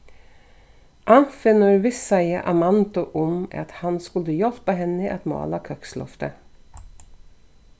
anfinnur vissaði amandu um at hann skuldi hjálpa henni at mála køksloftið